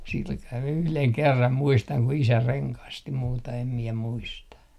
sillä kalella yhden kerran muistan kun isä rengasti muuta en minä muista